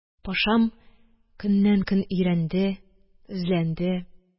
Пашам көннән-көн өйрәнде, үзләнде.